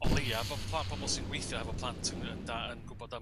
o leiaf bo' pla- pobol sy'n gweithio hefo plant yn yn da- yn gw'bod am